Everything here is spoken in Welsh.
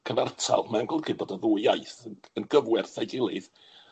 cyfartal, mae'n golygu bod y ddwy iaith yn yn gyfwerth a'i gilydd